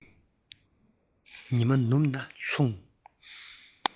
ཉི མ ནུབ ན ལྷུང